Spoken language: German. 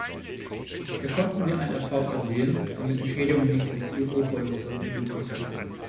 Hier konnten wir einen Erfolg erzielen, damit Entschädigungen nicht ins Uferlose münden können.